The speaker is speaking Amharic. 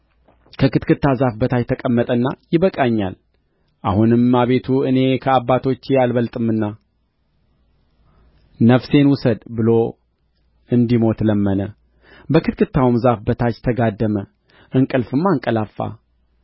ከክትክታ ዛፍ በታች ተቀመጠና ይበቃኛል አሁንም አቤቱ እኔ ከአባቶቼ አልበልጥምና ነፍሴን ውሰድ ብሎ እንዲሞት ለመነ በክትክታውም ዛፍ በታች ተጋደመ እንቅልፍም አንቀላፋ